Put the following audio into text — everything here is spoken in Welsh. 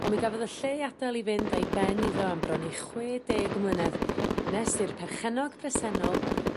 On' mi gafodd y lle adael i fynd a'i ben iddo am bron i chwe deg mlynedd nes i'r perchennog presennol